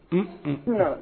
Unun